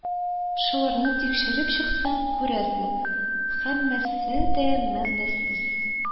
Шуларны тикшереп чыксаң, күрәсең: һәммәсе дә мәгънәсез